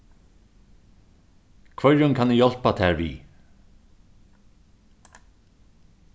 hvørjum kann eg hjálpa tær við